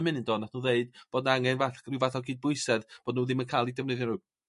o nath o ddeud bod 'na angen fath ryw fath o gydbwysedd bod nhw ddim yn ca'l 'u defnyddio nhw